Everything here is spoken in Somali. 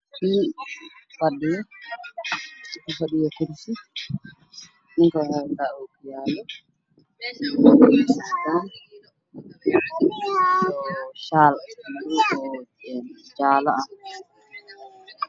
Nin fadhiyo kursi ku fadhiyo wuxuu wata oo ku yaalla iyo sarwaan madowga kaba buud ee u qabaan